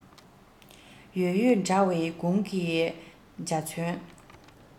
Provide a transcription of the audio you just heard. ཡོད ཡོད འདྲ བའི དགུང གི འཇའ ཚོན